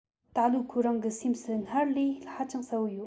ཏཱ ལའི ཁོ རང གི སེམས སུ སྔར ལས ཧ ཅང གསལ བོ ཡིན